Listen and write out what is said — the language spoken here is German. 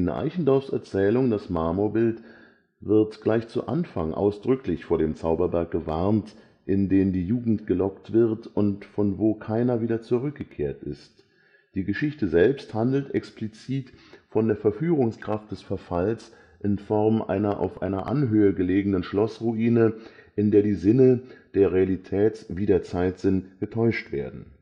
Eichendorffs Erzählung Das Marmorbild wird gleich zu Anfang ausdrücklich vor dem „ Zauberberg “gewarnt, in den „ die Jugend “gelockt wird und von wo „ keiner wieder zurückgekehrt ist “. Die Geschichte selbst handelt explizit von der Verführungskraft des Verfalls in Form einer auf einer Anhöhe gelegenen Schlossruine, in der die Sinne (der Realitäts - wie der Zeitsinn) getäuscht werden